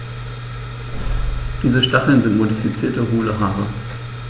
Diese Stacheln sind modifizierte, hohle Haare.